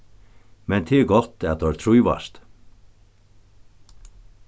men tað er gott at teir trívast